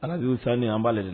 Ala y sanni b'ale la